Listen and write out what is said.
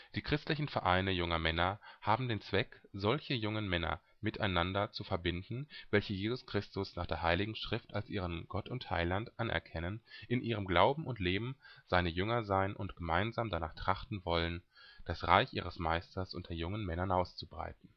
Die Christlichen Vereine Junger Männer haben den Zweck, solche jungen Männer miteinander zu verbinden, welche Jesus Christus nach der Heiligen Schrift als ihren Gott und Heiland anerkennen, in ihrem Glauben und Leben seine Jünger sein und gemeinsam danach trachten wollen, das Reich ihres Meisters unter jungen Männern auszubreiten